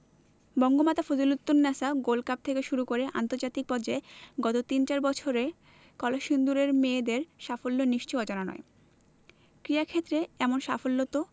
Bangamata Fazilatunnesa gold cup থেকে শুরু করে আন্তর্জাতিক পর্যায়ে গত তিন চার বছরে কলসিন্দুরের মেয়েদের সাফল্য নিশ্চয়ই অজানা নয় ক্রীড়াক্ষেত্রে এমন সাফল্য তো